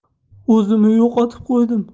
o'zimni yo'qotib qo'ydim